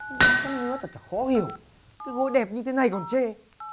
con gái con đứa thật là khó hiểu cái gối đẹp như thế này còn chê